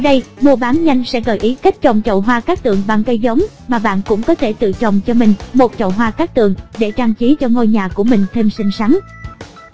sau đây muabannhanh sẽ gợi ý cách trồng chậu hoa cát tường bằng cây giống mà bạn cũng có thể tự trồng cho mình một chậu hoa cát tường để trang trí cho ngôi nhà của mình thêm xinh xắn